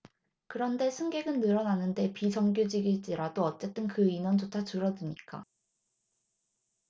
그런데 승객은 늘어나는데 비정규직일지라도 어쨌든 그 인원조차 줄어드니까